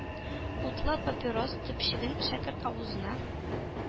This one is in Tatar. Утлы папирос төпчеген шәкерт авызына